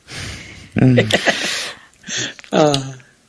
O!